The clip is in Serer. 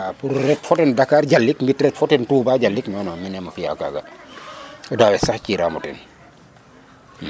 pour ret fo ten Dakar jalik mbit ret fo ten Touba jalik non non mi nemo fiya kaga o dawes sax ci ira moten